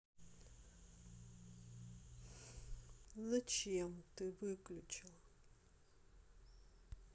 зачем ты выключила